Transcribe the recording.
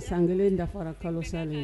Ye san kelen dafara kalosalen